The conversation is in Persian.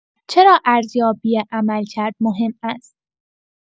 چرا ارزیابی عملکرد مهم است؟